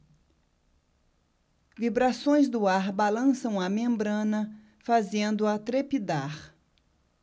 vibrações do ar balançam a membrana fazendo-a trepidar